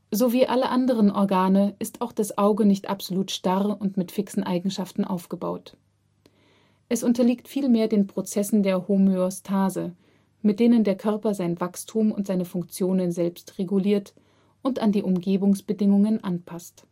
So wie alle anderen Organe ist auch das Auge nicht absolut starr und mit fixen Eigenschaften aufgebaut. Es unterliegt vielmehr den Prozessen der Homöostase, mit denen der Körper sein Wachstum und seine Funktionen selbst reguliert und an die Umgebungsbedingungen anpasst